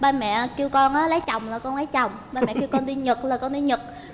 ba mẹ kêu con lấy chồng là con lấy chồng ba mẹ kêu con đi nhật là con đi nhật